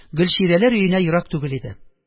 Гөлчирәләр өенә ерак түгел иде,